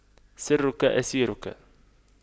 سرك أسيرك